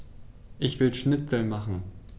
Ich will Schnitzel machen.